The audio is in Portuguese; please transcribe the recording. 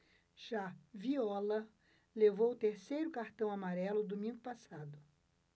já viola levou o terceiro cartão amarelo domingo passado